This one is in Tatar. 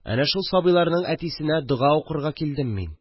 Әнә шул сабыйларның әтисенә дога укырга килдем мин